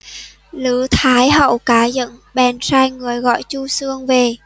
lữ thái hậu cả giận bèn sai người gọi chu xương về